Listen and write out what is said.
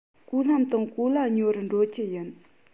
གོ ལྷམ དང གོ ལྭ ཉོ རུ འགྲོ རྒྱུ ཡིན